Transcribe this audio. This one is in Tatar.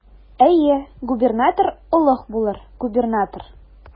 Әйе, губернатор олуг булыр, губернатор.